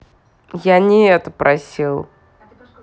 я не это спросил